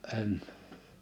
en